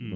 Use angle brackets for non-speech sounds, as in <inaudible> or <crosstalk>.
<hesitation> <hesitation>